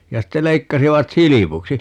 ja sitten leikkasivat silpuksi